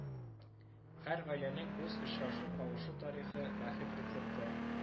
Һәр гаиләнең үз очрашу-кавышу тарихы, бәхет рецепты